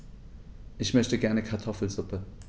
Ich möchte gerne Kartoffelsuppe.